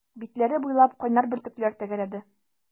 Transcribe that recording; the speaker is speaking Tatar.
Битләре буйлап кайнар бөртекләр тәгәрәде.